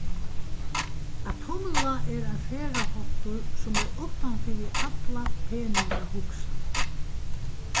at tumla er ein ferðaháttur sum er uttan fyri alla peningahugsan